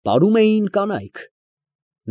Պարում էին կանայք։